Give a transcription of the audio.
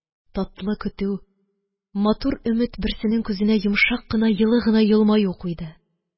Татлы көтү, матур өмет берсенең күзенә йомшак кына йылы гына елмаю куйды.